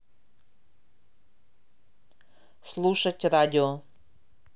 слушать радио